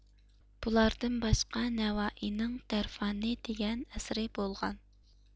بۇلاردىن باشقا نەۋائىينىڭ دەرفاننى دېگەن ئەسىرى بولغان